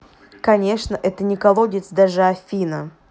конечно же это не колодец даже афина